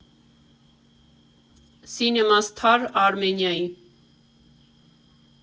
Սինեմա Սթար Արմենիայի։